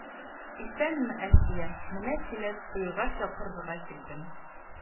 Исәнме, Әлфия, менә сине туйга чакырырга килдем